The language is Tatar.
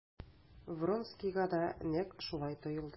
Вронскийга да нәкъ шулай тоелды.